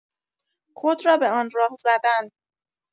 خود را به آن راه زدن